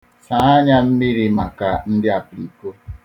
Saa anya mmiri maka ndị apiriko.